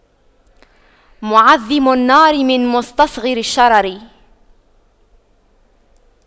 معظم النار من مستصغر الشرر